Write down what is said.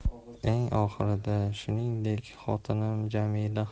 eng oxirida shuningdek xotinim jamila